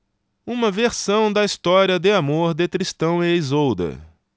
uma versão da história de amor de tristão e isolda